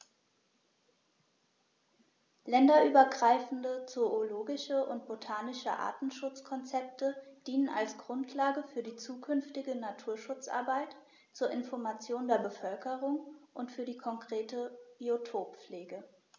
Länderübergreifende zoologische und botanische Artenschutzkonzepte dienen als Grundlage für die zukünftige Naturschutzarbeit, zur Information der Bevölkerung und für die konkrete Biotoppflege.